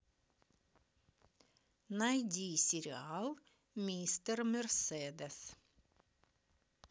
найди сериал мистер мерседес